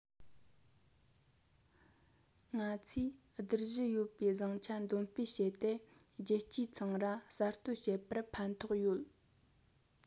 ང ཚོའི བསྡུར གཞི ཡོད པའི བཟང ཆ འདོན སྤེལ བྱས ཏེ རྒྱལ སྤྱིའི ཚོང ར གསར གཏོད བྱེད པར ཕན ཐོགས ཡོད